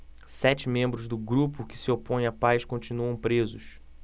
sete membros do grupo que se opõe à paz continuam presos